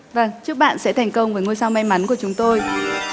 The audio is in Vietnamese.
vâng chúc bạn sẽ thành công với ngôi sao may mắn của chúng tôi